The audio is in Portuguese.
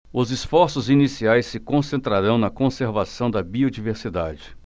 os esforços iniciais se concentrarão na conservação da biodiversidade